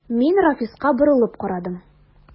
Мин Рафиска борылып карадым.